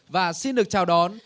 và xin được chào đón